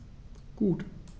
Gut.